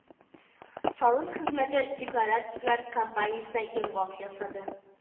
Салым хезмәте декларацияләр кампаниясенә йомгак ясады